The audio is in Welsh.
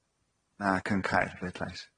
Ac yn cau'r bleidlais.